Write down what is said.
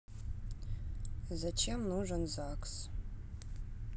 зачем нужен загс